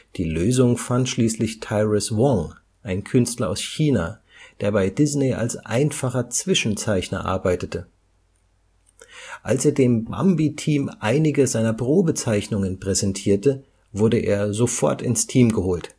Die Lösung fand schließlich Tyrus Wong, ein Künstler aus China, der bei Disney als einfacher Zwischenzeichner arbeitete. Als er dem Bambi-Team einige seiner Probezeichnungen präsentierte, wurde er sofort ins Team geholt